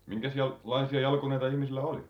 -- minkäslaisia jalkineita ihmisillä oli